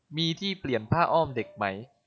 มีที่เปลี่ยนผ้าอ้อมเด็กไหม